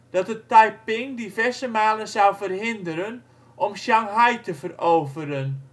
dat de Taiping diverse malen zou verhinderen om Shanghai te veroveren